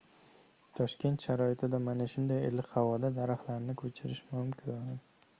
toshkent sharoitida mana shunday iliq havoda daraxtlarni ko'chirish mumkin